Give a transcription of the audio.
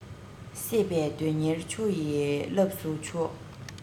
སྲེད པས དོན གཉེར ཆུ ཡི རླབས སུ འཕྱོ